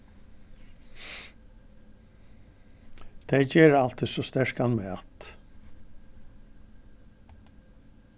tey gera altíð so sterkan mat